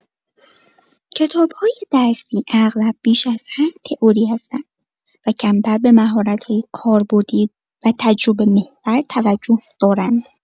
کتاب‌های درسی اغلب بیش از حد تئوری هستند و کمتر به مهارت‌های کاربردی و تجربه‌محور توجه دارند.